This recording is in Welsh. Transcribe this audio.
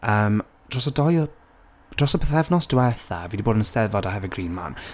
Yym dros y dou w- ... dros y pythefnos diwetha, fi 'di bod yn y 'Steddfod a hefyd Green Man.